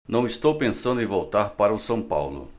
não estou pensando em voltar para o são paulo